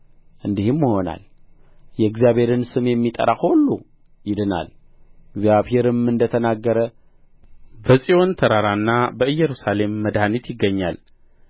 እንዲህም ይሆናል የእግዚአብሔር ስም የሚጠራ ሁሉ ይድናል እግዚአብሔርም እንደ ተናገረ በጽዮን ተራራና በኢየሩሳሌም መድኃኒት ይገኛል